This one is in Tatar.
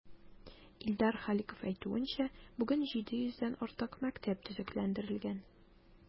Илдар Халиков әйтүенчә, бүген 700 дән артык мәктәп төзекләндерелгән.